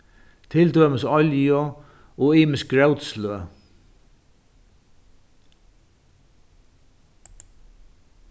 til dømis olju og ymisk grótsløg